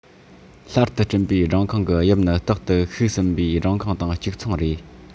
སླར དུ བསྐྲུན པའི སྦྲང ཁང གི དབྱིབས ནི རྟག ཏུ བཤིག ཟིན པའི སྦྲང ཁང དང གཅིག མཚུངས རེད